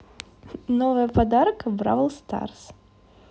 новая подарка бравл старс